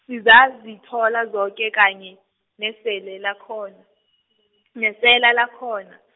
sizazithola zoke, kanye, nesele lakhona , nesela lakhona.